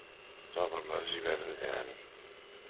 Тамырлар җибәрелгән.